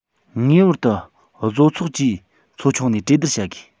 ངེས པར དུ བཟོ ཚོགས ཀྱི ཚོ ཆུང ནས གྲོས བསྡུར བྱ དགོས